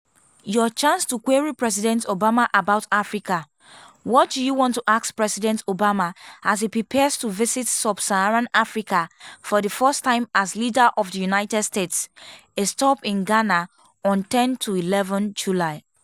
Your chance to query President Obama about Africa: What do you want to ask President Obama as he prepares to visit sub-Saharan Africa for the first time as leader of the United States – a stop in Ghana on 10-11 July?